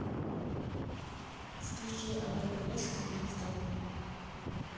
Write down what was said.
включи орел и решка неизданное